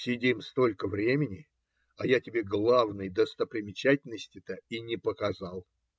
- сидим столько времени, а я тебе главной достопримечательности-то и не показал.